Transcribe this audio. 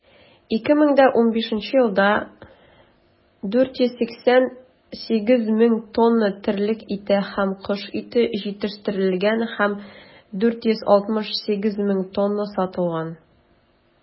2015 елда 488 мең тонна терлек ите һәм кош ите җитештерелгән һәм 468 мең тонна сатылган.